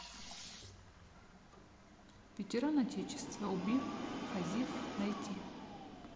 ветеран отечества убив хафиз найти